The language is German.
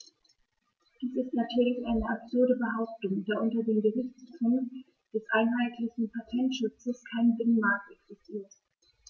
Dies ist natürlich eine absurde Behauptung, da unter dem Gesichtspunkt des einheitlichen Patentschutzes kein Binnenmarkt existiert.